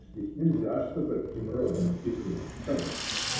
Здесь нельзя, чтоб этаким родом. Извольте вставать!